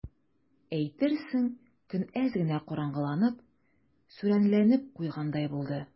Әйтерсең, көн әз генә караңгыланып, сүрәнләнеп куйгандай булды.